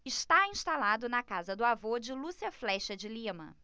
está instalado na casa do avô de lúcia flexa de lima